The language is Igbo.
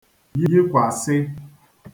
yikwàsị